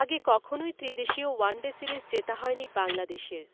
আগে কখনোই ত্রিদেশীয় ওয়ানডে সিরিজ জেতা হয়নি বাংলাদেশের